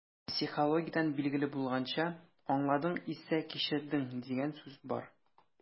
Психологиядән билгеле булганча, «аңладың исә - кичердең» дигән сүз бар.